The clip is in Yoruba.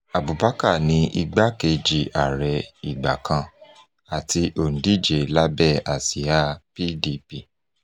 Abubakar ni igbá-kejì ààrẹ ìgbà kan àti òǹdíje lábẹ́ àsíá PDP.